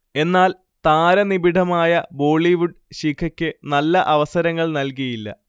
എന്നാൽ, താരനിബിഢമായ ബോളിവുഡ് ശിഖയ്ക്ക് നല്ല അവസരങ്ങൾ നൽകിയില്ല